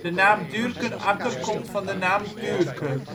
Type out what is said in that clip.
De naam Duurkenakker komt van de naam Duurke